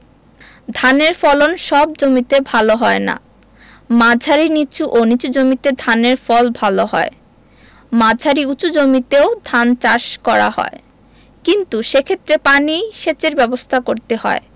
ধানের ফলন সব জমিতে ভালো হয় না মাঝারি নিচু ও নিচু জমিতে ধানের ফলন ভালো হয় মাঝারি উচু জমিতেও ধান চাষ করা হয় কিন্তু সেক্ষেত্রে পানি সেচের ব্যাবস্থা করতে হয়